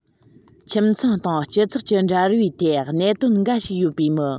ཁྱིམ ཚང དང སྤྱི ཚོགས ཀྱི འབྲེལ བའི ཐད གནད དོན འགའ ཞིག ཡོད པའི མི